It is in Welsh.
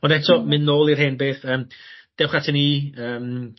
Ond eto mynd nôl i'r hen beth yym dewch atyn ni yym